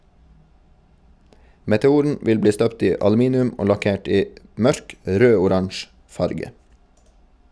Meteoren vil bli støpt i aluminium og lakkert i mørk rød-oransje farge.